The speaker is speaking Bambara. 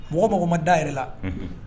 Mɔgɔ mako ma da yɛrɛ la